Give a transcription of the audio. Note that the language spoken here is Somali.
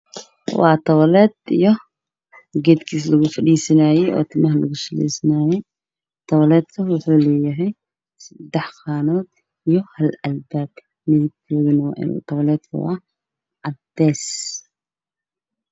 Waa tawleed geedkiisa lugu fariisanayay oo timaha lugu shanleysto, tawleedku waxuu leeyahay seddex qaanad iyo hal albaab, tawleedka midabkiisu waa cadeys.